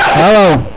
waawaw